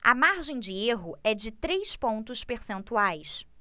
a margem de erro é de três pontos percentuais